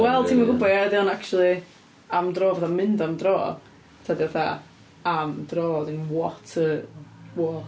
Wel ti'm yn gwybod ia? Ydy o'n acshyli am dro fatha "mynd am dro", 'ta 'di o fatha am dro as in, what a walk.